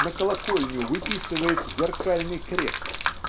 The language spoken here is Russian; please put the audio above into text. на колокольню выписывает зеркальный крест